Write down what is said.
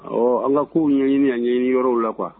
Ɔ ala k'u ɲɛɲini anɲini yɔrɔw la kuwa